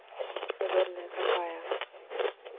задорная какая